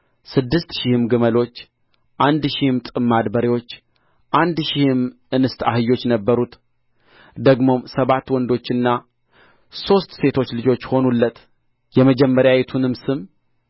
ስድስት ሺህም ግመሎች አንድ ሺህም ጥማድ በሬዎች አንድ ሺህም እንስት አህዮች ነበሩት ደግሞም ሰባት ወንዶችና ሦስት ሴቶች ልጆች ሆኑለት የመጀመሪያይቱንም ስም